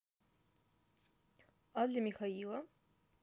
а для михаила